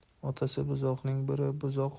otasi buzuqning biri buzuq